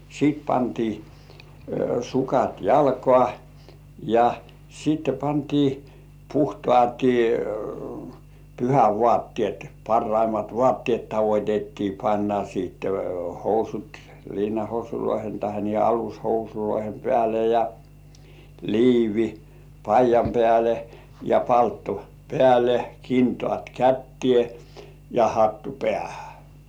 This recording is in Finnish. sitten pantiin sukat jalkaan ja sitten pantiin puhtaat pyhävaatteet parhaimmat vaatteet tavoitettiin panna sitten housut liinahousujen tai niiden alushousujen päälle ja liivi paidan päälle ja palttoo päälle kintaat käteen ja hattu päähän